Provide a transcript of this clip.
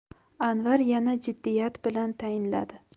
anvar yana jiddiyat bilan tayinladi